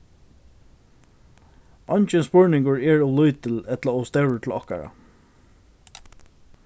eingin spurningur er ov lítil ella ov stórur til okkara